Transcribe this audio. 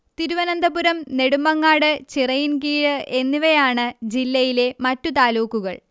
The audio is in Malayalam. തിരുവനന്തപുരം നെടുമങ്ങാട് ചിറയിൻകീഴ് എന്നിവയാണ് ജില്ലയിലെ മറ്റു താലൂക്കുകൾ